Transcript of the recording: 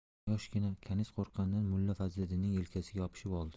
yoshgina kaniz qo'rqqanidan mulla fazliddinning yelkasiga yopishib oldi